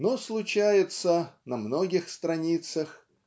Но случается на многих страницах